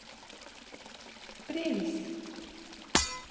прелесть